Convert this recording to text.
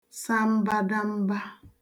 sa mbadamba